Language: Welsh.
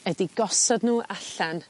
ydi gosod n'w allan